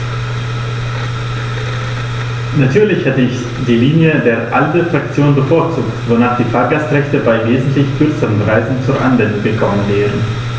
Natürlich hätte ich die Linie der ALDE-Fraktion bevorzugt, wonach die Fahrgastrechte bei wesentlich kürzeren Reisen zur Anwendung gekommen wären.